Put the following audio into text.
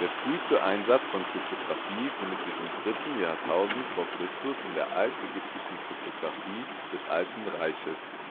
früheste Einsatz von Kryptographie findet sich im dritten Jahrtausend v. Chr. in der altägyptischen Kryptographie des Alten Reiches